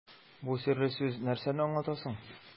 Бу серле сүз нәрсәне аңлата соң?